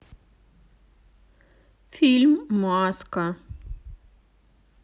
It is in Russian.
фильм маска